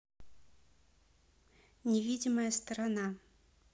невидимая сторона